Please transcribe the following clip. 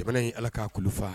Jamana in ala na kulufa.